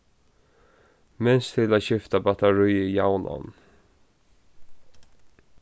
minst til skifta battaríið javnan